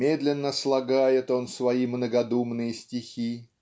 Медленно слагает он свои многодумные стихи